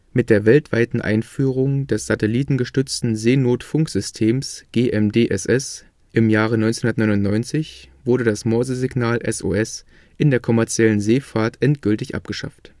Mit der weltweiten Einführung des satellitengestützten Seenot-Funksystems GMDSS 1999 wurde das Morsesignal SOS in der kommerziellen Seefahrt endgültig abgeschafft